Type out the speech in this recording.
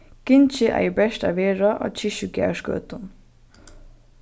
gingið eigur bert at verða á kirkjugarðsgøtum